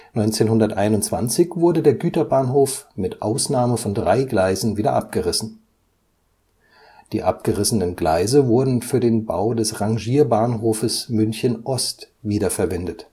1921 wurde der Güterbahnhof mit Ausnahme von drei Gleisen wieder abgerissen. Die abgerissenen Gleise wurden für den Bau des Rangierbahnhofes München Ost wiederverwendet